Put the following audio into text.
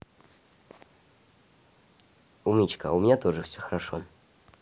умничка у меня тоже все хорошо